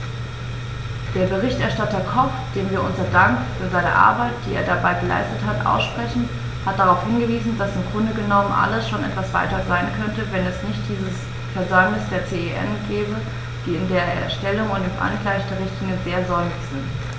Der Berichterstatter Koch, dem wir unseren Dank für seine Arbeit, die er dabei geleistet hat, aussprechen, hat darauf hingewiesen, dass im Grunde genommen alles schon etwas weiter sein könnte, wenn es nicht dieses Versäumnis der CEN gäbe, die in der Erstellung und dem Angleichen der Richtlinie sehr säumig sind.